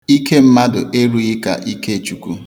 Ike mmadụ erughi ka ike Chukwu.